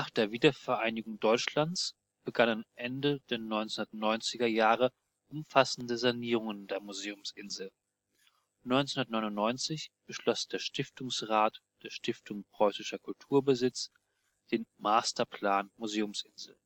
der Wiedervereinigung Deutschlands begannen Ende der 1990er Jahre umfassende Sanierungen der Museumsinsel, 1999 beschloss der Stiftungsrat der Stiftung Preußischer Kulturbesitz den Masterplan Museumsinsel